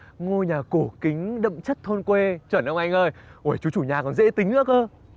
ngôi nhà cổ kính đậm chất thôn quê chuẩn không anh ơi ôi chú chủ nhà còn dễ tính nữa cơ